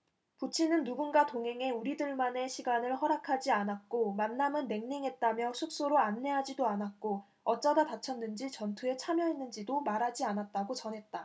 부친은 누군가 동행해 우리 둘만의 시간을 허락하지 않았고 만남은 냉랭했다며 숙소로 안내하지도 않았고 어쩌다 다쳤는지 전투에 참여했는지도 말하지 않았다고 전했다